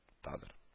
Тадыр